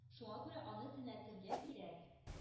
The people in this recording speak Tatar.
Шуңа күрә аны төнәтергә кирәк.